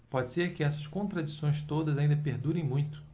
pode ser que estas contradições todas ainda perdurem muito